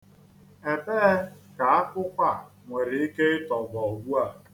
Ebee ka akwụkwọ a nwere ike ịtọgbọ ugbua?